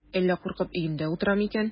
Әллә куркып өендә утырамы икән?